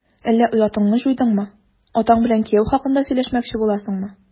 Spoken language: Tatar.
Әллә оятыңны җуйдыңмы, атаң белән кияү хакында сөйләшмәкче буласыңмы? ..